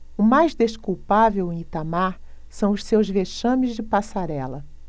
o mais desculpável em itamar são os seus vexames de passarela